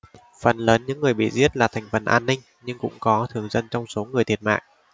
phần lớn những người bị giết là thành phần an ninh nhưng cũng có thường dân trong số người thiệt mạng